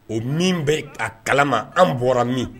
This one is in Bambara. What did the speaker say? O min bɛ a kalama an bɔra min